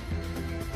RAS